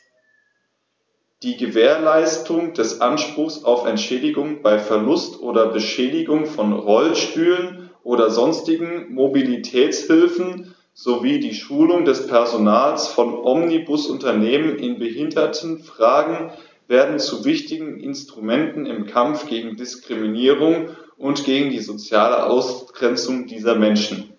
Die Gewährleistung des Anspruchs auf Entschädigung bei Verlust oder Beschädigung von Rollstühlen oder sonstigen Mobilitätshilfen sowie die Schulung des Personals von Omnibusunternehmen in Behindertenfragen werden zu wichtigen Instrumenten im Kampf gegen Diskriminierung und gegen die soziale Ausgrenzung dieser Menschen.